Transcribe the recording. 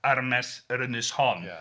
..armes yr ynys hon.